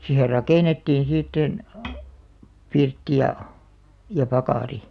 siihen rakennettiin sitten pirtti ja ja pakari